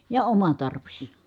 ja oma tarvis